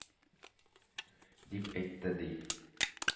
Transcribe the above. — дип әйтте, ди.